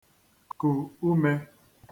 kù umē